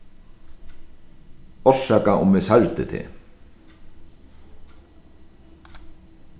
orsaka um eg særdi teg